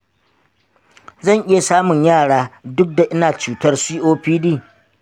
zan iya samun yara duk da ina da cutar copd?